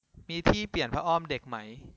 มีที่เปลี่ยนผ้าอ้อมเด็กไหม